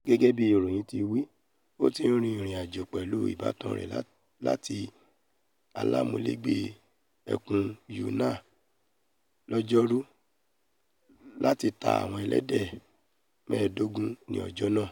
Gẹ́gẹ́ bí ìròyìn ti wí ó ti rin ìrìn-àjò pẹ̀lú ìbátan rẹ láti aláàmúlégbé ẹkùn Yunnan lọ́jọ́ 'Ru láti ta àwọn ẹlẹ́dẹ̀ mẹ́ẹ̀dógún ní ọjá náà.